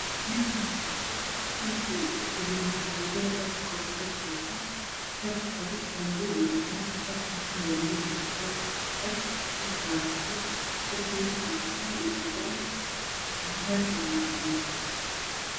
Meeshaan waa armaajo kalarkeedu uu ka kooban yahay armaajo qeybta kore waa madow iyo cadaan. Qeybta hoosana waa madow iyo cadaan ,qeybta fidsana waa qaxwi, darbigana waa qaxwi iyo cadaan, mutuleel kana waa cadaan.